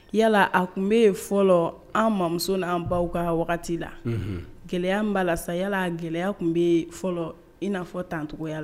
Yala a tun bɛ fɔlɔ an mamuso n'an baw ka wagati la gɛlɛya b' la yalala gɛlɛya tun bɛ fɔlɔ in'a fɔ tancogoya la